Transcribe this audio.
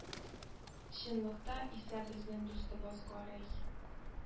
Чынлыкта исә безнең дустыбыз гарәй